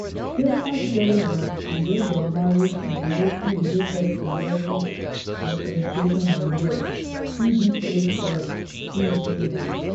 Data shows that the age of marriage is directly related to levels of education and wealth (TDHS 201).